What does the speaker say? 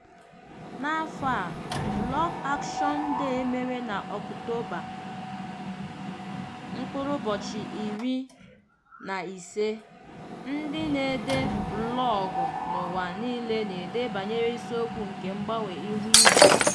N'afọ a Blog Action Day mere na Ọktoba 15, ndị na-ede blọọgụ n'ụwa nile na-ede banyere isiokwu nke mgbanwe ihu igwe.